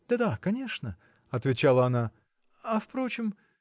– Да, да, конечно, – отвечала она, – а впрочем.